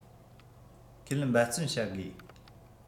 ཁས ལེན འབད བརྩོན བྱ དགོས